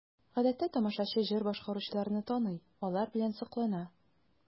Гадәттә тамашачы җыр башкаручыларны таный, алар белән соклана.